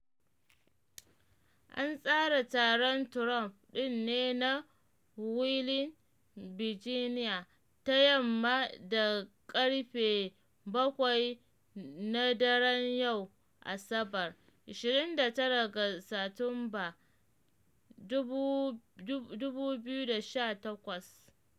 An tsara taron Trump din ne na Wheeling, Virginia ta Yamma da karfe 7 na daren yau Asabar, 29 ga Satumba, 2018.